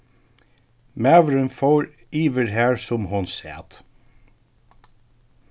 maðurin fór yvir har sum hon sat